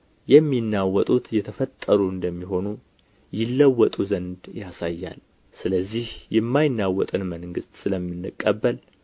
የሚናወጡት የተፈጠሩ እንደሚሆኑ ይለወጡ ዘንድ ያሳያል ስለዚህ የማይናወጥን መንግሥት ስለምንቀበል